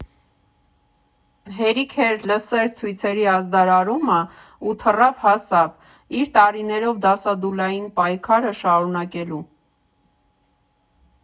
Հերիք էր՝ լսեր ցույցերի ազդարարումն ու թռավ֊հասավ՝ իր տարիներով դասադուլային պայքարը շարունակելու։